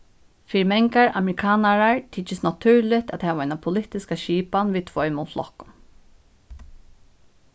fyri mangar amerikanarar tykist natúrligt at hava eina politiska skipan við tveimum flokkum